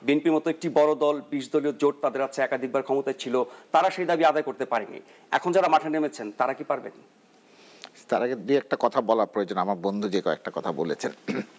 বিএনপির মতো একটি বড় দল ২০ দলীয় জোট তাদের আছে একাধিক বার ক্ষমতায় ছিল তারা সেই দাবি আবার আদায় করতে পারে নি এখন যারা মাঠে নেমেছেন তারা কি পারবেন তার আগে দুই একটা কথা বলা প্রয়োজন আমার বন্ধু যে কয়েকটা কথা বলেছেন